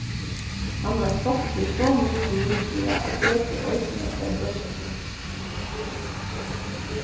hann var stoktur so mikið ríkiliga at kjøtið eisini var broyskið